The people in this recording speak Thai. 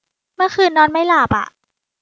เมื่อคืนนอนไม่หลับอะ